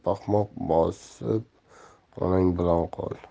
paxmoq bosbji onang bilan qol